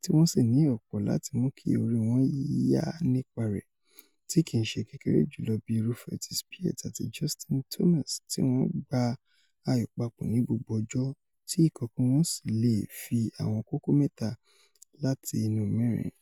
tí wọ́n sì ní ọ̀pọ̀ láti mú kí orí wọn yá nípa rẹ̀, tíkìí ṣe kékeré jùlọ bí irúfẹ́ ti Spieth àti Justin Thomas tí wọ́n gbá ayò papọ̀ ní gbogbo ọjọ́ tí ìkọ̀ọ̀kan wọn sì leè fi àwọn kókó mẹ́ta láti inú mẹ́rin.